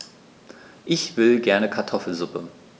Ich will gerne Kartoffelsuppe.